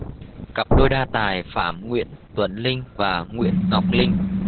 cặp đôi đa tài phạm nguyễn tuấn linh và nguyễn ngọc linh